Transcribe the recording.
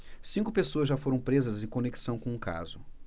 cinco pessoas já foram presas em conexão com o caso